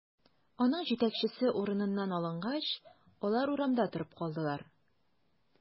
Аның җитәкчесе урыныннан алынгач, алар урамда торып калдылар.